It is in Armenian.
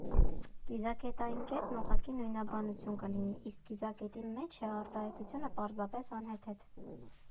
«կիզակետային կետն» ուղղակի նույնաբանություն կլինի, իսկ «կիզակետի մեջ է» արտահայտությունը պարզապես անհեթեթ։